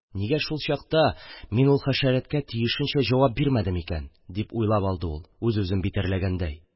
«нигә шул чакта мин ул хәшәрәткә тиешенчә җавап бирмәдем икән?» – дип уйлап алды ул, үз-үзен битәрләгәндәй.